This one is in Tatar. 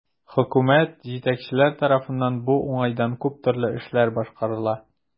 Хөкүмәт, җитәкчеләр тарафыннан бу уңайдан күп төрле эшләр башкарыла.